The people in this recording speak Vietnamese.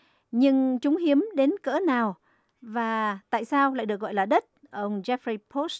nhưng chúng hiếm đến cỡ nào và tại sao lại được gọi là đất ông dép phây pốt